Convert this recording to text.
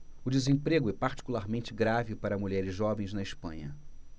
o desemprego é particularmente grave para mulheres jovens na espanha